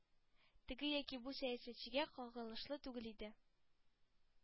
Теге яки бу сәясәтчегә кагылышлы түгел иде,